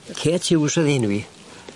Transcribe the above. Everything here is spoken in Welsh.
Kate Hughes oedd 'i enw 'i.